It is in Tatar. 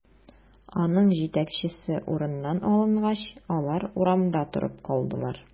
Аның җитәкчесе урыныннан алынгач, алар урамда торып калдылар.